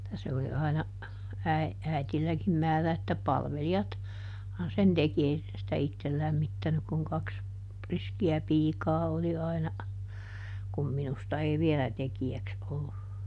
että se oli aina - äidilläkin määrä että - palvelijathan sen teki ei se sitä itse lämmittänyt kun kaksi riskiä piikaa oli aina kun minusta ei vielä tekijäksi ollut